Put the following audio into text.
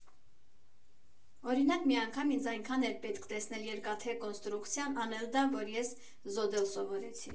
Օրինակ, մի անգամ ինձ այնքան էր պետք տեսնել երկաթե կոնստրուկցիան, անել դա, որ ես զոդել սովորեցի։